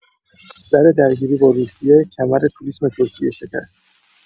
سر درگیری با روسیه، کمر توریسم ترکیه شکست.